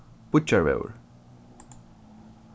bíggjarvegur